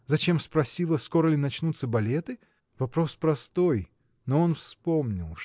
Зачем спросила, скоро ли начнутся балеты? Вопрос простой но он вспомнил